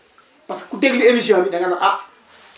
parce que ku déglu émission bi da nga ne ah